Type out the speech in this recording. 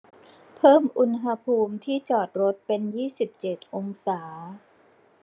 เพิ่มอุณหภูมิที่จอดรถเป็นยี่สิบเจ็ดองศา